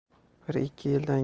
bir ikki yildan